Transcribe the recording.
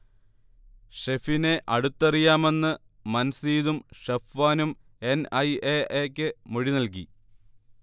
ഷെഫിനെ അടുത്തറിയാമെന്ന് മൻസീദും ഷഫ്വാനും എൻ. ഐ. എ. എ യ്ക്ക് മൊഴി നൽകി